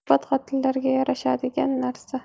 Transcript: g'iybat xotinlarga yarashadigan narsa